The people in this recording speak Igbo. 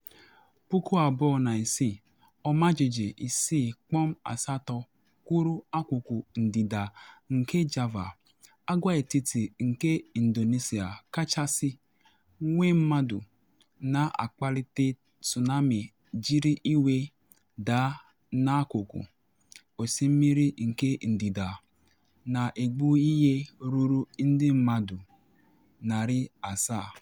2006: Ọmajiji 6.8 kụrụ akụkụ ndịda nke Java, agwaetiti nke Indonesia kachasị nwee mmadụ, na akpalite tsunami jiri iwe daa na akụkụ osimiri nke ndịda, na egbu ihe ruru ndị mmadụ 700.